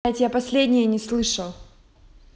блядь я последние не слышал